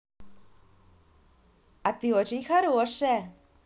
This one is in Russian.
а ты очень хорошая